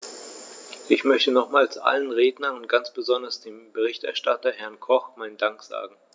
Ich möchte nochmals allen Rednern und ganz besonders dem Berichterstatter, Herrn Koch, meinen Dank sagen.